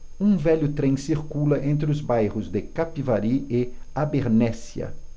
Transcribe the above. um velho trem circula entre os bairros de capivari e abernéssia